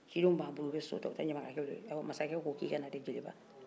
cidenw b'a bolo u bɛ so ta u bɛ taa ɲamakalakɛ wele ka na